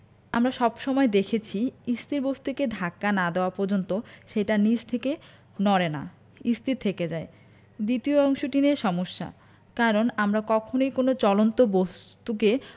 আমরা সব সময় দেখেছি স্থির বস্তুকে ধাক্কা না দেওয়া পর্যন্ত সেটা নিজে থেকে নড়ে না স্থির থেকে যায় দ্বিতীয় অংশটি নিয়ে সমস্যা কারণ আমরা কখনোই কোনো চলন্ত বস্তুকে